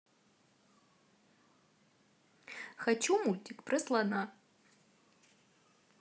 хочу мультик про слона